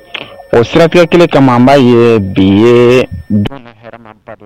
O sira kelen kama an b'a ye bi donw na hɛrɛmaba dɔ ye